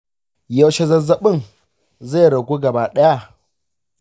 yaushe zazzabin zai ragu gaba ɗaya?